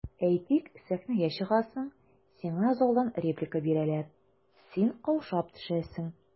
Әйтик, сәхнәгә чыгасың, сиңа залдан реплика бирәләр, син каушап төшәсең.